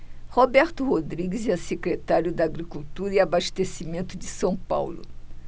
roberto rodrigues é secretário da agricultura e abastecimento de são paulo